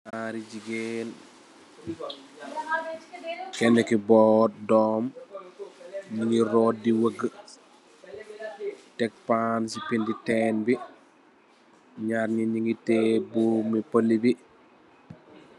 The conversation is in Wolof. Nyari jigeen keneu ki boot dom di weugue tek pan si digi teen bi nyar nyi nyu ngi tee boomu polu bi